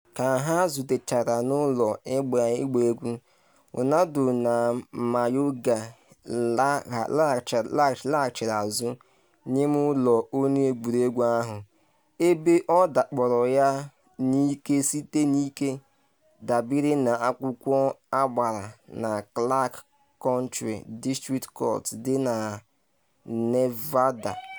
Ka ha zutechara n’ụlọ ịgba egwu, Ronaldo na Mayorga laghachiri azụ n’ime ụlọ onye egwuregwu ahụ, ebe ọ dakporo ya n’ike site na ike, dabere na akwụkwọ agbara na Clark County District Court dị na Nevada.